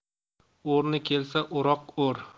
o'rni kelsa o'roq o'r